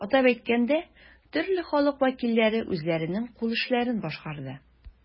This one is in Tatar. Атап әйткәндә, төрле халык вәкилләре үзләренең кул эшләрен башкарды.